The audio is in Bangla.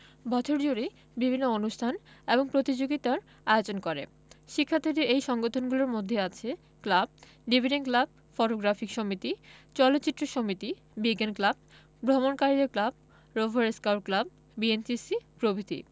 বছর জুড়েই বিভিন্ন অনুষ্ঠান এবং প্রতিযোগিতার আয়োজন করে শিক্ষার্থীদের এই সংগঠনগুলির মধ্যে আছে ক্লাব ডিবেটিং ক্লাব ফটোগ্রাফিক সমিতি চলচ্চিত্র সমিতি বিজ্ঞান ক্লাব ভ্রমণকারীদের club rover scout club BNCC প্রভৃতি